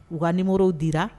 U ka numéros dira .